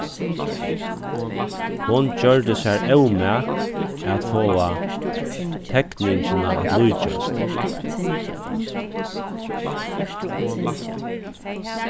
hon gjørdi sær ómak at fáa tekningina at líkjast